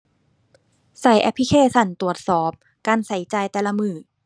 ใช้แอปพลิเคชันตรวจสอบ การใช้จ่ายแต่ละมื้อ